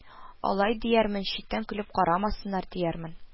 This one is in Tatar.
Алай, диярмен, читтән көлеп карамасыннар, диярмен